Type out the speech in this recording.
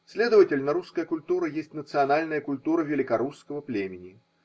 Следовательно, русская культура есть национальная культура великорусского племени.